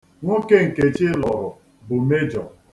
Nwoke Nkechi lụrụ bụ mejọ.